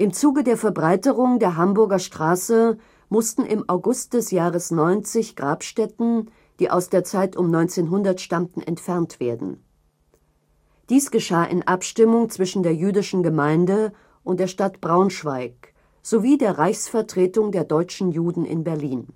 Zuge der Verbreiterung der Hamburger Straße, mussten im August des Jahres 90 Grabstätten, die aus der Zeit um 1900 stammten, entfernt werden. Dies geschah in Abstimmung zwischen der Jüdischen Gemeinde und der Stadt Braunschweig sowie der „ Reichsvertretung der Deutschen Juden “in Berlin